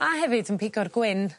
a hefyd yn pigo'r gwyn